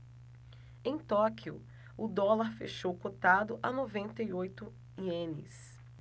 em tóquio o dólar fechou cotado a noventa e oito ienes